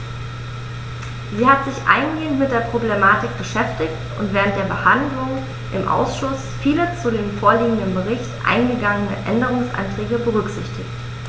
Sie hat sich eingehend mit der Problematik beschäftigt und während der Behandlung im Ausschuss viele zu dem vorliegenden Bericht eingegangene Änderungsanträge berücksichtigt.